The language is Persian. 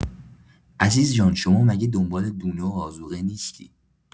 عزیز جان شما مگه دنبال دونه و آذوقه نیستی؟